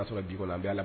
A y' sɔrɔ'